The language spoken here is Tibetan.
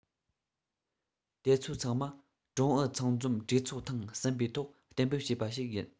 དེ ཚོ ཚང མ ཀྲུང ཨུ ཚང འཛོམས གྲོས ཚོགས ཐེངས གསུམ པའི ཐོག གཏན འབེབས བྱས པ ཞིག ཡིན